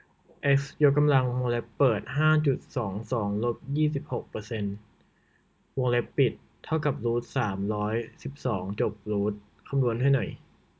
เอ็กซ์ยกกำลังวงเล็บเปิดห้าจุดสองสองลบยี่สิบหกเปอร์เซนต์วงเล็บปิดเท่ากับรูทสามร้อยสิบสองจบรูทคำนวณให้หน่อย